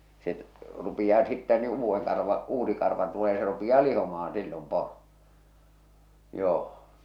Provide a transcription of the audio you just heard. se rupeaa sitten niin uuden karva uusi karva tulee se rupeaa lihomaan silloin poro joo